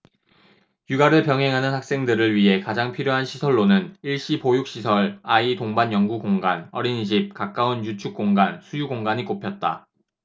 육아를 병행하는 학생들을 위해 가장 필요한 시설로는 일시 보육시설 아이 동반 연구 공간 어린이집 가까운 유축공간 수유공간이 꼽혔다